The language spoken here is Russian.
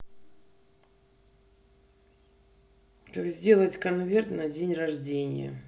как сделать конверт на день рождения